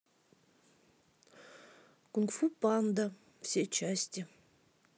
кунг фу панда все части